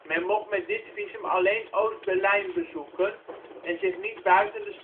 mocht met dit visum alleen Oost-Berlijn bezoeken en zich niet buiten de